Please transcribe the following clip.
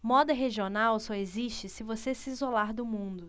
moda regional só existe se você se isolar do mundo